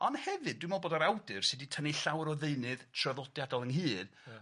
On' hefyd dwi me'wl bod yr awdur sy 'di tynnu llawer o ddeunydd traddodiadol ynghyd ... Ia.